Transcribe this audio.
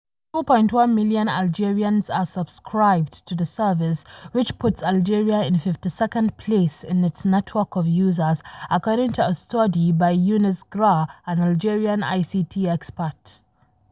2.1 million Algerians are subscribed to the service, which puts Algeria in 52nd place in its network of users, according to a study by Younes Grar, an Algerian ICT expert.